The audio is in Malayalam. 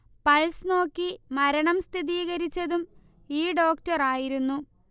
പൾസ് നോക്കി മരണം സ്ഥീരീകരിച്ചതും ഈ ഡോക്ടർ ആയിരുന്നു